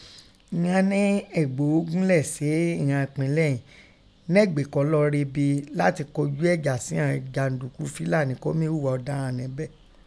Ighọ́n nẹ́ Ẹ̀gboho gunlẹ sẹ́ ìghọn ẹ̀pinlẹ iin nẹ́gbí kọ́ lọ rebē latin kọju ẹ̀ja síghọn jàǹdùkú Fílàní kọ́ mí hugha ọdaran nibẹ.